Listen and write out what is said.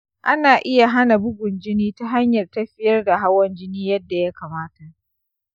ana iya hana bugun jini ta hanyar tafiyar da hawan jini yadda ya kamata.